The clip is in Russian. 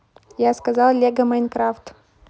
я сказал лего майнкрафт